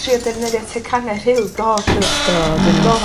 ...trio defnyddio tecane rhyw? Do siŵr. Do dwi'n hoffi. Do...